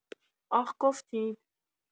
آخ گفتید!